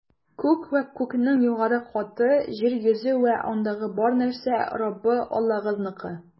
Күк вә күкнең югары каты, җир йөзе вә андагы бар нәрсә - Раббы Аллагызныкы.